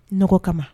N dɔgɔ kama